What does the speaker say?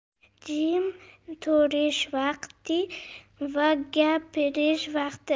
jim turish vaqti va gapirish vaqti